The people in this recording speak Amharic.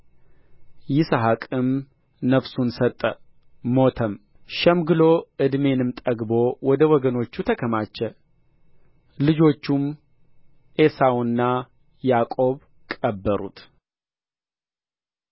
ይስሐቅም ነፍሱን ሰጠ ሞተም ሸምግሎ ዕድሜንም ጠግቦ ወደ ወገኖቹ ተከማቸ ልጆቹም ዔሳውና ያዕቆብ ቀበሩት